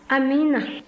amiina